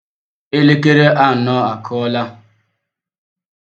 Elekere anọ akụọla.